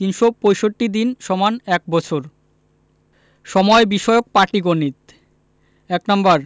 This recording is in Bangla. ৩৬৫ দিন = ১বছর সময় বিষয়ক পাটিগনিতঃ ১ নাম্বার